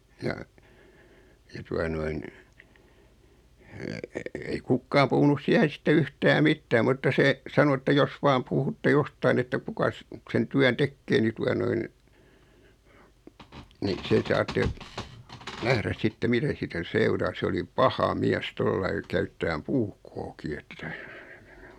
ja ja tuota noin ei kukaan puhunut siihen sitten yhtään mitään mutta se sanoi että jos vain puhutte jostakin että kukas sen työn tekee niin tuota noin niin sen saatte nähdä sitten mitä siitä seuraa se oli paha mies tuolla lailla käyttämään puukkoakin että